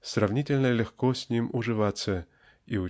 сравнительно легко с ним уживаться и